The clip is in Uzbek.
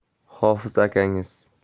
hofiz akangiz